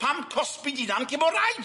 Pam cosbi d'hunnan cyn bo raid?